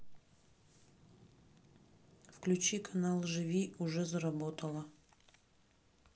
включи канал живи уже заработало